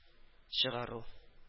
Чыгару